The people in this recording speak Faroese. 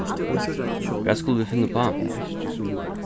hvat skulu vit finna uppá